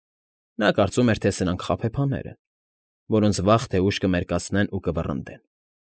Նա կարծում էր, թե սրանք խաբեբաներ են, որոնց վաղ թե ուշ կմերկացնեն ու կվռնդեն։